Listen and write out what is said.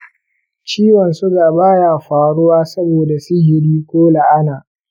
ciwon suga ba ya faruwa saboda sihiri ko la'ana